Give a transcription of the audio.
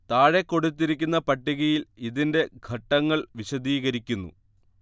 താഴെ കൊടുത്തിരിക്കുന്ന പട്ടികയിൽ ഇതിൻറെ ഘട്ടങ്ങൾ വിശദീകരിക്കുന്നു